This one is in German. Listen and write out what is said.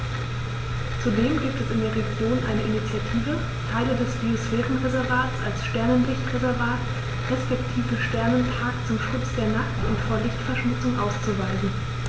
Zudem gibt es in der Region eine Initiative, Teile des Biosphärenreservats als Sternenlicht-Reservat respektive Sternenpark zum Schutz der Nacht und vor Lichtverschmutzung auszuweisen.